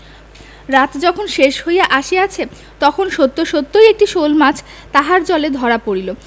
রাত যখন শেষ হইয়া আসিয়াছে তখন সত্য সত্যই একটি শোলমাছ তাহার জালে ধরা পড়িল